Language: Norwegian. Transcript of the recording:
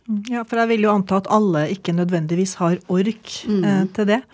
ja for jeg vil jo anta at alle ikke nødvendigvis har ork til det.